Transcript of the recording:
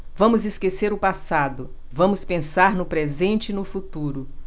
vamos esquecer o passado vamos pensar no presente e no futuro